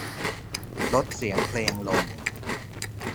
ลดเสียงเพลงลง